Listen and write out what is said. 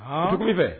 An. O tɛ kuma i fɛ.